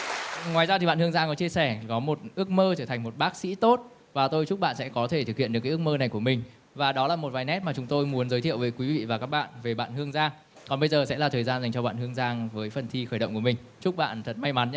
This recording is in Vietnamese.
ngoài ra thì bạn hương giang có chia sẻ có một ước mơ trở thành một bác sĩ tốt và tôi chúc bạn sẽ có thể thực hiện được cái ước mơ này của mình và đó là một vài nét mà chúng tôi muốn giới thiệu với quý vị và các bạn về bạn hương giang còn bây giờ sẽ là thời gian dành cho bạn hương giang với phần thi khởi động một mình chúc bạn thật may mắn